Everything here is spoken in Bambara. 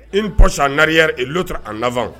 Iɔsi nare lutura a na